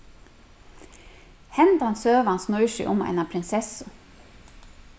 hendan søgan snýr seg um eina prinsessu